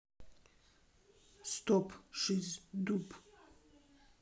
стоп шиз дуб